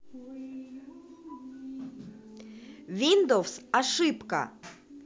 виндовс ошибка